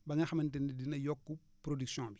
ba nga xamante ni dina yokk production bi